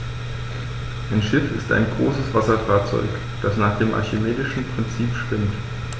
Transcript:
Ein Schiff ist ein größeres Wasserfahrzeug, das nach dem archimedischen Prinzip schwimmt.